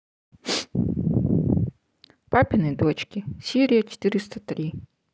папины дочки серия четыреста три